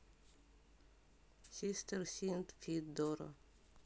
систер син фит доро